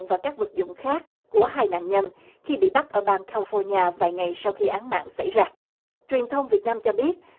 và các vật dụng khác của hai nạn nhân khi bị bắt ở bang ca li phóc ni a nhà vài ngày sau khi án mạng xảy ra truyền thông việt nam cho biết